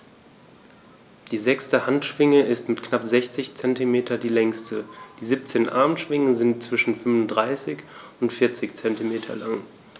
Die sechste Handschwinge ist mit knapp 60 cm die längste. Die 17 Armschwingen sind zwischen 35 und 40 cm lang.